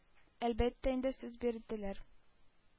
Әлбәттә инде, сүз бирделәр.